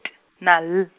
T na L.